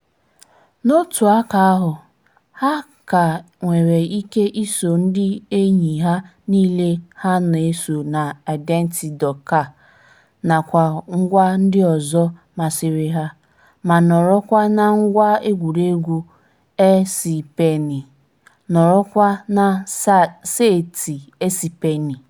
N'otu aka ahụ, ha ka nwere ike iso ndị enyi ha niile ha na-eso na Identi.ca nakwa ngwa ndị ọzọ masịrị ha, ma nọrọ kwa na ngwa egwuregwu ESPN, nọrọ kwa na saịtị ESPN.